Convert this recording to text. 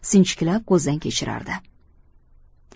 sinchiklab ko'zdan kechirardi